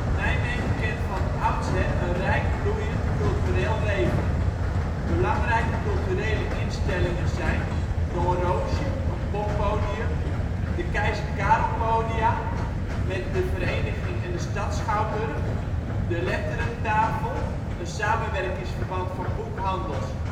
Nijmegen kent van oudsher een rijk en bloeiend cultureel leven. Belangrijke culturele instellingen zijn: Doornroosje, poppodium De Keizer Karel Podia, met De Vereeniging en de Stadsschouwburg De Letterentafel, een samenwerkingsverband van boekhandels